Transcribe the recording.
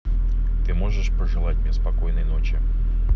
ты можешь пожелать мне спокойной ночи